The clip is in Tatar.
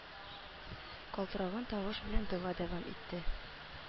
Калтыранган тавыш белән дога дәвам итте